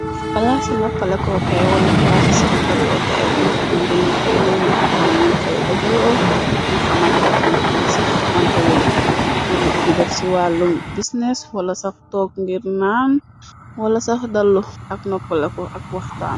palaasi noppalekokay wala palaai sax dalloo ke ay nga xamanti ni ay doomi adama ño fay dajaloo ñu xamante ak ñoo xamna sax xamante wuñ hur di def ci wàllum bisines wala sax took ngir naan wala sax dallu ak noppale ku ak waxtaan.